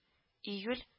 Июль